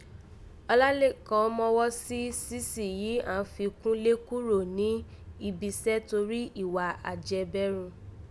Ọlálékan mọ́wọ́ ní ṣíṣí yìí àá fi Kúnlé kúrò ni ibisẹ́ torí ìwà àjẹbẹ́run